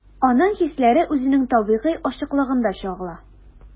Аның хисләре үзенең табигый ачыклыгында чагыла.